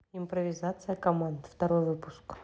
импровизация команд второй выпуск